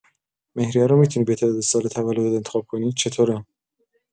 مهریه رو می‌تونی به تعداد سال تولدت انتخاب کنی، چطوره؟